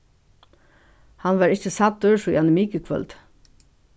hann var ikki sæddur síðan mikukvøldið